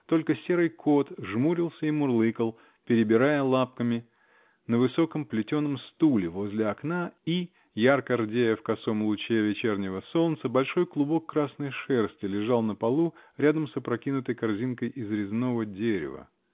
только серый кот жмурился и мурлыкал, перебирая лапками, на высоком плетеном стуле возле окна, и, ярко рдея в косом луче вечернего солнца, большой клубок красной шерсти лежал на полу рядом с опрокинутой корзинкой из резного дерева.